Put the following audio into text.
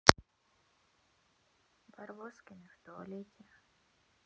барбоскины в туалете